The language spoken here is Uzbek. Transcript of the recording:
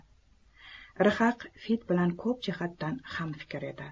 rhaq fid bilan ko'p jihatdan hamfikr edi